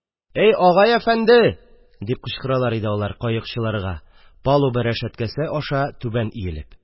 – әй, агай, әфәнде! – дип кычкыралар иде алар каекчыларга, палуба рәшәткәсе аша түбән иелеп.